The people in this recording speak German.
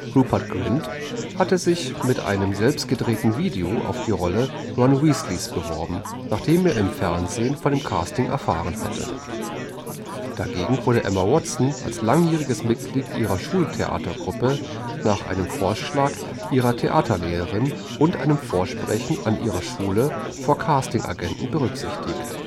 Rupert Grint hatte sich mit einem selbstgedrehten Video auf die Rolle Ron Weasleys beworben, nachdem er im Fernsehen von den Castings erfahren hatte. Dagegen wurde Emma Watson als langjähriges Mitglied ihrer Schultheatergruppe nach einem Vorschlag ihrer Theater-Lehrerin und einem Vorsprechen an ihrer Schule vor Casting-Agenten berücksichtigt